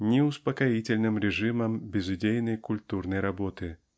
ни успокоительным режимом безыдейной культурной работы.